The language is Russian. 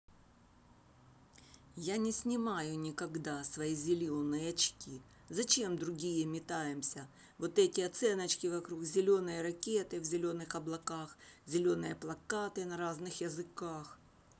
я не снимаю никогда свои зеленые очки зачем другие метаемся вот эти оценочки вокруг зеленые ракеты в зеленых облаках зеленые плакаты на разных языках